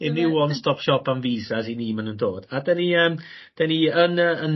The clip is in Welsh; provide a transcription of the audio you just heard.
one stop shop am visas i ni ma' nw'n dod a 'dyn ni yn 'dyn ni yn yy yn...